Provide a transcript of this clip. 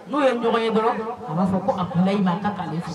N'o ye ɲɔgɔn ye a b'a fɔ ko alayi ma ka'ale fɛ